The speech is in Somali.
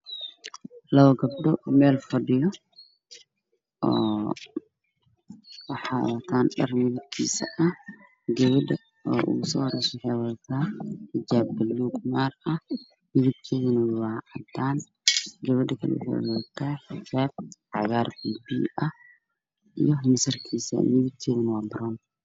Waa labo gabdho meel wada fadhiyo gabdho ugu soo horeyso waxay wadataa xijaab buluug maari ah midabkeedu waa cadaan, tan kalana xijaab cagaar iyo masarkiisa, midabkeedu waa baroon.